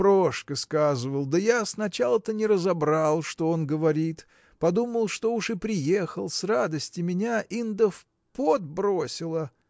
Прошка сказывал, да я сначала-то не разобрал, что он говорит подумал, что уж и приехал с радости меня индо в пот бросило.